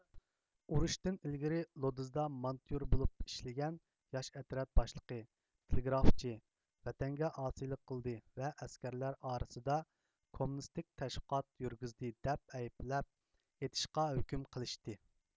ئۇرۇشتىن ئىلگىرى لودزدا مانتيور بولۇپ ئىشلىگەن ياش ئەترەت باشلىقى تېلېگرافچى ۋەتەنگە ئاسىيلىق قىلدى ۋە ئەسكەرلەر ئارىسىدا كوممۇنىستىك تەشۋىقات يۈرگۈزدى دەپ ئەيىبلەپ ئېتىشقا ھۆكۈم قىلىشتى